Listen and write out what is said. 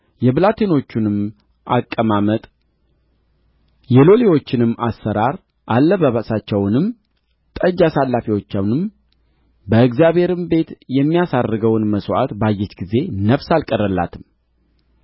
የብላቴኖቹንም አቀማመጥ የሎሌዎቹንም አሠራር አለባበሳቸውንም ጠጅ አሳላፊዎቹንም በእግዚአብሔርም ቤት የሚያሳርገውን መሥዋዕት ባየች ጊዜ ነፍስ አልቀረላትም